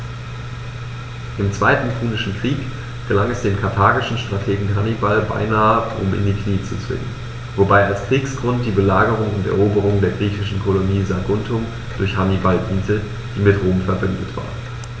Im Zweiten Punischen Krieg gelang es dem karthagischen Strategen Hannibal beinahe, Rom in die Knie zu zwingen, wobei als Kriegsgrund die Belagerung und Eroberung der griechischen Kolonie Saguntum durch Hannibal diente, die mit Rom „verbündet“ war.